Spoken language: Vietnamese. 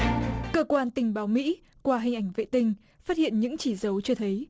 cơ quan tình báo mỹ qua hình ảnh vệ tinh phát hiện những chỉ dấu cho thấy